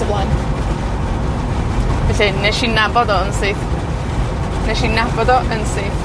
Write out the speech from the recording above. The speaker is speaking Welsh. tu blaen. Felly nesh i nabod o yn syth. Nesh i nabod o yn syth.